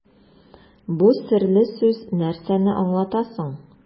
Бу серле сүз нәрсәне аңлата соң?